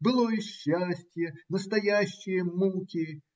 Былое счастье, настоящие муки.